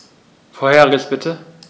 Vorheriges bitte.